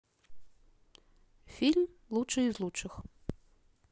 фильм лучший из лучших